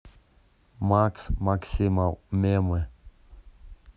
макс максимов мемы